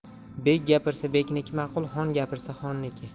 bek gapirsa bekniki ma'qul xon gapirsa xonniki